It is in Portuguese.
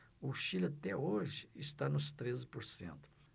o chile até hoje está nos treze por cento